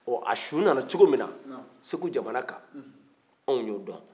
ɔ a su nana cogo min na segu jamana kan anw b'o dɔn